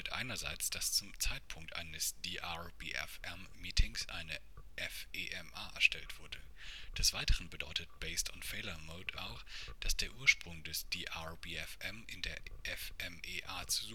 einerseits, dass zum Zeitpunkt eines DRBFM Meetings eine FMEA erstellt wurde. Des Weiteren bedeutet Based on Failure Mode auch, dass der Ursprung der DRBFM in der FMEA zu suchen